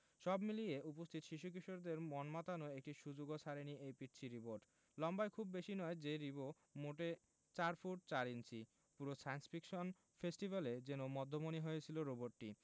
সব মিলিয়ে উপস্থিত শিশু কিশোরদের মন মাতানোর একটি সুযোগও ছাড়েনি এই পিচ্চি রোবট লম্বায় খুব বেশি নয় যে রিবো মোটে ৪ ফুট ৪ ইঞ্চি পুরো সায়েন্স ফিকশন ফেস্টিভ্যালে যেন মধ্যমণি হয়েছিল রোবটটি